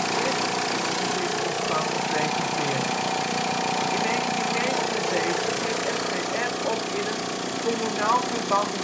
eerste gebiedsontwikkelingsplan gepresenteerd. In 1979 ging het SVR op in het Kommunalverband